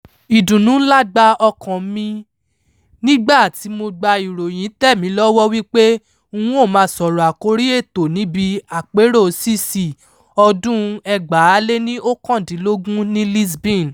Ìdùnnù ǹlá gba ọkàn-an mi nígbà tí mo gba ìròyìn tẹl mí lọ́wọ́ wípé n ó máa sọ̀rọ̀ àkórí ètò níbi Àpérò CC ọdún-un 2019 ní Lisbon. ...